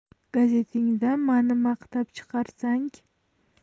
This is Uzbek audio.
gazetingda mani maqtab chiqarsang